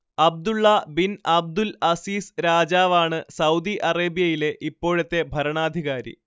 Abdulla bin Abdul Aziz രാജാവാണ് Saudi അറേബ്യയിലെ ഇപ്പോഴത്തെ ഭരണാധികാരി